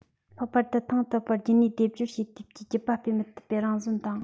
ལྷག པར ཏུ ཐེངས དང པོ རྒྱུད གཉིས སྡེབ སྦྱོར བྱས དུས ཀྱི རྒྱུད པ སྤེལ མི ཐུབ པའི རང བཞིན དང